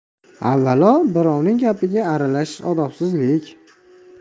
avvalo birovning gapiga aralashish odobsizlik